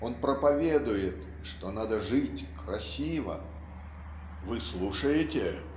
он проповедует, что надо жить красиво. "Вы слушаете?